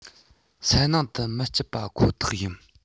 སེམས ནང དུ མི སྐྱིད པ ཁོ ཐག ཡིན